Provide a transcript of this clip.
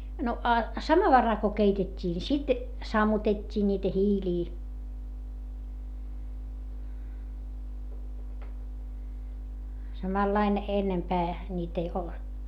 no a samovaarilla kun keitettiin niin sitten sammutettiin niitä hiiliä samalla lailla ennempää niitä jo